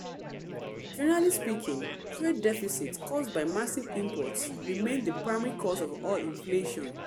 Generally speaking, trade deficits caused by massive imports remain the primary cause of all inflation.